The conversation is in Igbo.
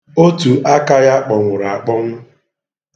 Otu aka ya kpọnwùrù akpọnwụ.